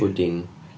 Pwdin.